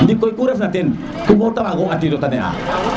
ndikoy ku ref na teen pod nu te waago na a tiid te ne'a